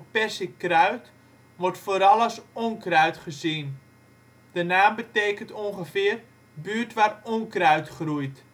perzikkruid wordt vooral als onkruid gezien. De naam betekent ongeveer: buurt waar onkruid groeit